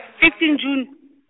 fifteen June.